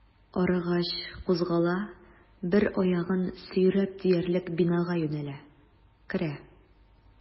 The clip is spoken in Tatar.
Арыгач, кузгала, бер аягын сөйрәп диярлек бинага юнәлә, керә.